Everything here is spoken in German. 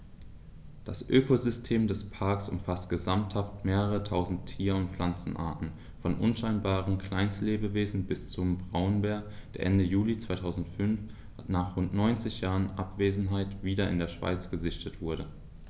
Das Ökosystem des Parks umfasst gesamthaft mehrere tausend Tier- und Pflanzenarten, von unscheinbaren Kleinstlebewesen bis zum Braunbär, der Ende Juli 2005, nach rund 90 Jahren Abwesenheit, wieder in der Schweiz gesichtet wurde.